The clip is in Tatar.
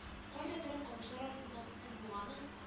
Кайдадыр камышлар артыннан күлбуганың